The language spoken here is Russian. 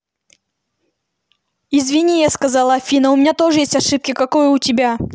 извини я сказала афина у меня тоже есть ошибки какое у тебя